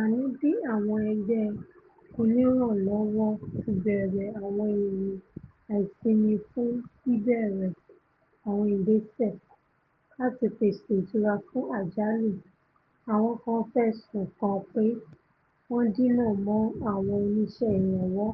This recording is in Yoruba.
Àní bí àwọn ẹgbẹ́ onírànlọ́wọ́ ti bẹ̀rẹ̀ àwọn ìrìn àìsinmi fún bíbẹ̀rẹ̀ àwọn ìgbésẹ̀ láti pèsè ìtura fún àjálù, àwọn kan fẹ̀sùn kan pé wọ́n dínà mọ́ àwọn oníṣẹ́ ìrànwọ́